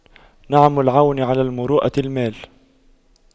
نعم العون على المروءة المال